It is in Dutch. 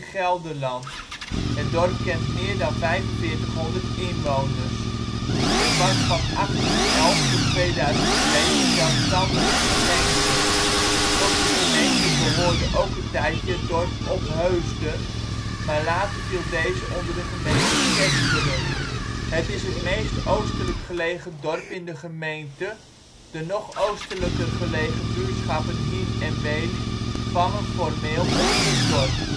Gelderland. Het dorp kent meer dan 4500 inwoners. Het was van 1811 tot 2002 een zelfstandige gemeente. Tot die gemeente behoorde ook een tijdje het dorp Opheusden, maar later viel deze onder de gemeente Kesteren. Het is de meest oostelijk gelegen dorp in de gemeente, de nog oostelijker gelegen buurtschappen Hien en Wely vallen formeel onder het dorp